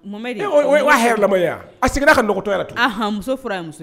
A seginna ka dɔgɔtɔ